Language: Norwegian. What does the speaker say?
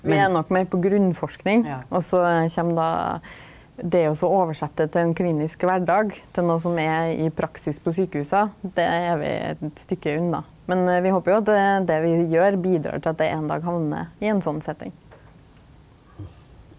vi er nok meir på grunnforsking, og så kjem då det og så omsetja det til ein klinisk kvardag til noko som er i praksis på sjukehusa det er vi eit stykke unna, men vi håpar jo at det vi gjer, bidreg til at det ein dag hamnar i ein sånn setting.